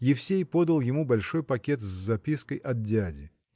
Евсей подал ему большой пакет, с запиской от дяди.